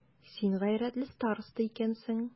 Син гайрәтле староста икәнсең.